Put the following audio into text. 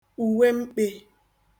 ùwe mkpē